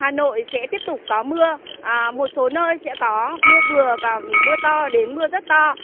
hà nội sẽ tiếp tục có mưa à một số nơi sẽ có mưa vừa và mưa to đến mưa rất to